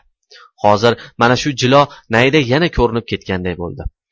hozir mana shu jilo nayda yana ko'rinib ketganday bo'ldi